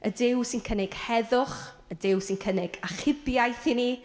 Y Duw sy'n cynnig heddwch, y Duw sy'n cynnig achubiaeth i ni.